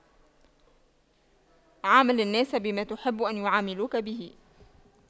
عامل الناس بما تحب أن يعاملوك به